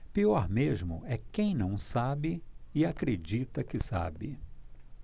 pior mesmo é quem não sabe e acredita que sabe